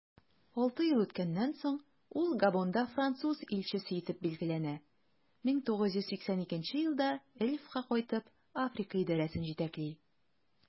Алты ел үткәннән соң, ул Габонда француз илчесе итеп билгеләнә, 1982 елда Elf'ка кайтып, Африка идарәсен җитәкли.